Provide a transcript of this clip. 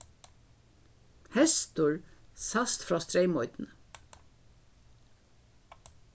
hestur sæst frá streymoynni